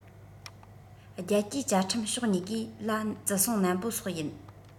རྒྱལ སྤྱིའི བཅའ ཁྲིམས ཕྱོགས གཉིས ཀས ལ བརྩི སྲུང ནན པོ སོགས ཡིན